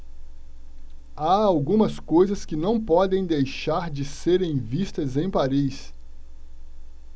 há algumas coisas que não podem deixar de serem vistas em paris